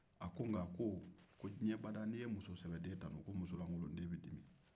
a ko nga ko diɲɛ bada n'i musosɛbɛden tanun ko musolankolonden bɛ dimi